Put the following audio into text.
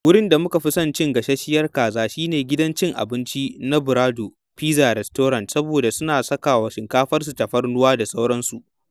Wurin da muka fi son mu ci gasasshiyar kaza shi ne gidan cin abinci na Brador Pizza Restaurant saboda suna saka wa shinkafarsu tafarnuwa da sauransu.